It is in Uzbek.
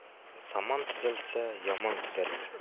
zamon tuzalsa yomon tuzalar